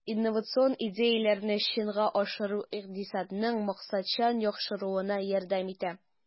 Инновацион идеяләрне чынга ашыру икътисадның максатчан яхшыруына ярдәм итә.